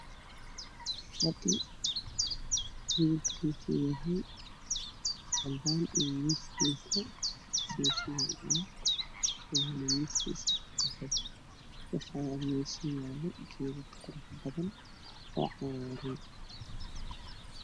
Waa fadhi midabkiisa yahay caddaan waxaa og yaalla miis midabkiisu waxaa ka dambeeya derbi cows ka baxaya